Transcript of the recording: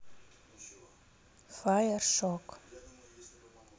файер шок